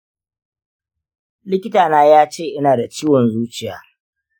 likita na yace ina da ciwon zuciya